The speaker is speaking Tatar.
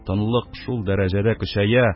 Тынлык шул дәрәҗәдә көчәя,